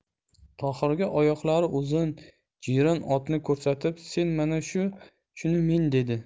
tohirga oyoqlari uzun jiyron otni ko'rsatib sen mana shuni min dedi